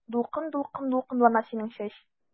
Дулкын-дулкын дулкынлана синең чәч.